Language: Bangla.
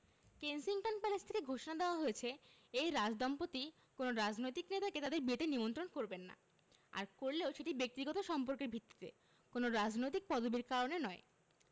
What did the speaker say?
কেনসিংটন প্যালেস থেকে ঘোষণা দেওয়া হয়েছে এই রাজদম্পতি কোনো রাজনৈতিক নেতাকে তাঁদের বিয়েতে নিমন্ত্রণ করবেন না আর করলেও সেটি ব্যক্তিগত সম্পর্কের ভিত্তিতে কোনো রাজনৈতিক পদবির কারণে নয়